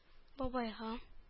Бабайга